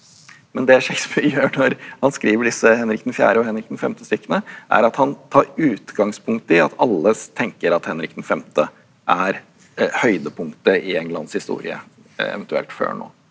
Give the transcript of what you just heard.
men det Shakespeare gjør når han skriver disse Henrik den fjerde- og Henrik den femte-stykkene er at han tar utgangspunkt i at alle tenker at Henrik den femte er høydepunktet i Englands historie eventuelt før nå.